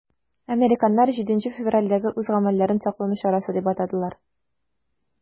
Американнар 7 февральдәге үз гамәлләрен саклану чарасы дип атадылар.